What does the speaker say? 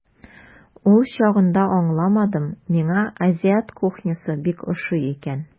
Ул чагында аңладым, миңа азиат кухнясы бик ошый икән.